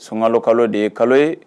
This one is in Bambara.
Sunkalo kalo de ye kalo ye